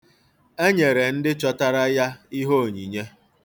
E nyere ndị chọtara ihe onyinye.